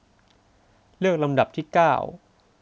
เลือกลำดับที่เก้า